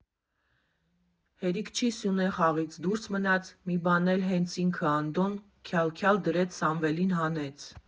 Հերիք չի Սյունեն խաղից դուրս մնաց, մի բան էլ հենց ինքը՝ Անդոն քյալ֊քյալ դրեց Սամվելին հանեց։